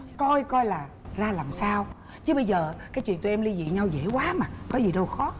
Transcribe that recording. coi coi là ra làm sao chứ bây giờ cái chuyện tụi em ly dị nhau dễ quá mà có gì đâu khó